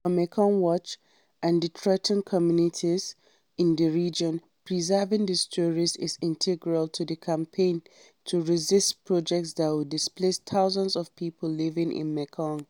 For Mekong Watch and the threatened communities in the region, preserving these stories is integral in the campaign to resist projects that would displace thousands of people living in the Mekong: